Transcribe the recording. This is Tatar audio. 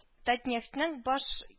Татнефтьнең баш